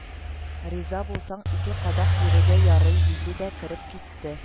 Риза булсаң, ике кадак бирергә ярый, – диде дә кереп китте